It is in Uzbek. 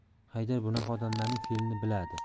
haydar bunaqa odamlarning fe'lini biladi